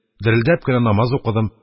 Дерелдәп кенә намаз укыдым.